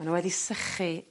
ma' n'w wedi sychu